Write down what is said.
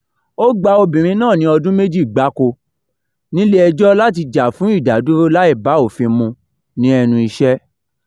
Ó gba obìnrin náà ní ọdún méjì gbáko nílé ẹjọ́ láti jà fún ìdádúró láì bá òfin mu ní ẹnu iṣẹ́.